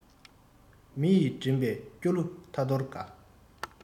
མི ཡུལ འགྲིམས པའི སྐྱོ གླུ ཐ ཐོར འགའ